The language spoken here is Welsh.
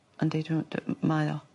yn deud t'mo' d- m- mae o.